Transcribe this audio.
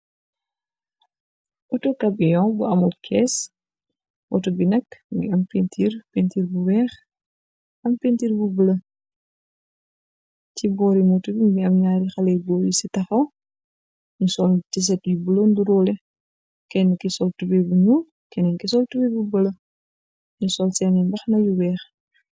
Otobi nak bu amut kes mu nge ameh penterr bu wey ak bu bolo. Si borri moto bi mu nge ameh nyari haleyu gorr yu tahaw yu sol t shirt yu bolo nurole key mugi sol tobey bu nglu kenen ke sol tobey bu bulo nu sol sen mbhana yu weyh.